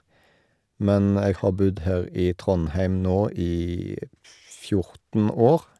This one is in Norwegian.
Men jeg har bodd her i Trondheim nå i fjorten år.